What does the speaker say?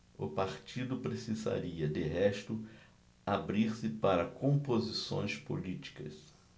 o partido precisaria de resto abrir-se para composições políticas